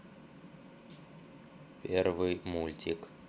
первый мультик